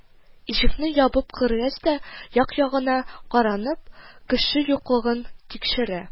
Ишекне ябып кергәч тә, як-ягына каранып, кеше юклыгын тикшерә